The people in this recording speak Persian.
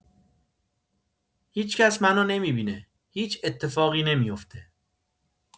هیچ‌کس منو نمی‌بینه، هیچ اتفاقی نمی‌افته.